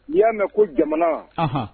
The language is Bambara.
N'i y'a mɛn ko jamana